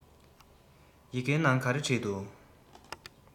ཡི གེའི ནང ག རེ བྲིས འདུག